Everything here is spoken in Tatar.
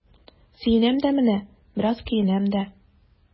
Сөенәм дә менә, бераз көенәм дә.